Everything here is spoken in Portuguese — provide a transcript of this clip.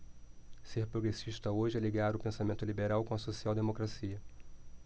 ser progressista hoje é ligar o pensamento liberal com a social democracia